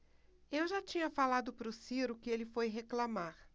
eu já tinha falado pro ciro que ele foi reclamar